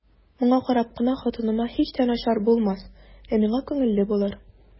Моңа карап кына хатыныма һич тә начар булмас, ә миңа күңелле булыр.